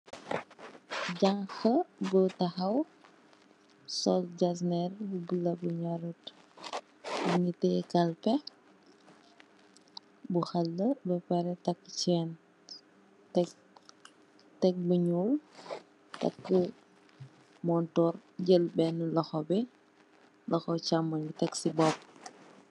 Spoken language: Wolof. Janha bu tahaw sol jetzner bu bulo mingi tiyeh kalpeh bu kheleu ba pareh tak chain tek lu nyool tak Montour jel beneu lokho bi lokho chamonj tek ci bop bi